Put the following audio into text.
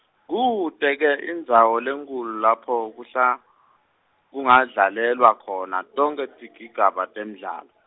Kute-ke indzawo lenkhulu lapho kuhla-, kungadlalelwa khona tonkhe tigigaba temdlalo.